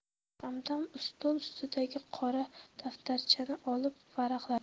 hamdam ustol ustidagi qora daftarchani olib varaqladi